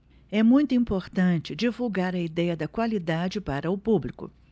é muito importante divulgar a idéia da qualidade para o público